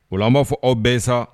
Ola an b'a fɔ aw bɛ ye sa